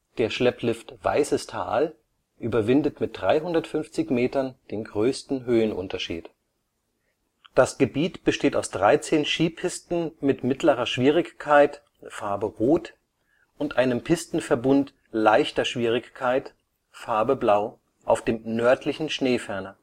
Der Schlepplift Weißes Tal überwindet mit 350 m den größten Höhenunterschied. Das Gebiet besteht aus 13 Skipisten mit mittlerer Schwierigkeit (rot) und einem Pistenverbund leichter Schwierigkeit (blau) auf dem Nördlichen Schneeferner